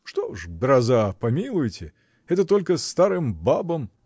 — Что ж, гроза: помилуйте, это только старым бабам.